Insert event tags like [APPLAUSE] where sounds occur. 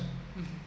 [HESITATION] [HESITATION]